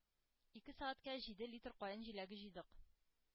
“ике сәгатькә җиде литр каен җиләге җыйдык.